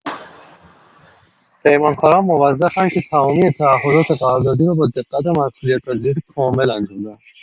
پیمانکاران موظف‌اند که تمامی تعهدات قراردادی را با دقت و مسئولیت‌پذیری کامل انجام دهند.